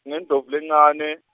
ngeNdlovulencane.